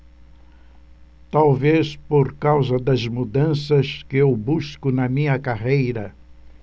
talvez por causa das mudanças que eu busco na minha carreira